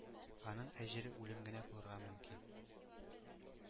Аның әҗере үлем генә булырга мөмкин.